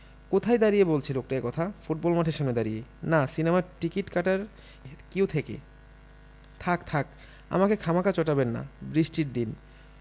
কোথায় দাঁড়িয়ে বলছে লোকটা এ কথা ফুটবল মাঠের সামনে দাঁড়িয়ে না সিনেমার টিকিট কাটার কিউ থেকে থাক্ থাক্ আমাকে খামাখা চটাবেন না বৃষ্টির দিন